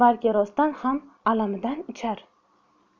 balki rostdan ham alamidan ichar